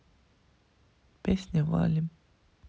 песня валим